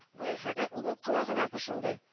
Муесадан үбеп колагына пышылдый